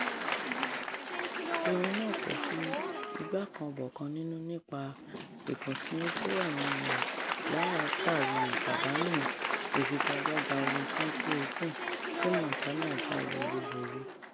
Orin náà kò fi igbákanbọ̀kan nínú nípa ìkùnsínú tí ó wà nílẹ̀ látàrí ìpàdánù ìfigagbága ọdún 2018 tí Montana jáwé olúborí.